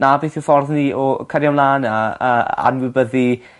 'na beth yw ffordd ni o cario mlan a a a anwybyddu